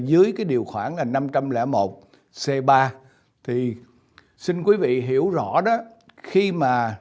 dưới các điều khoản là năm trăm lẻ một xê ba thì xin quý vị hiểu rõ đó khi mà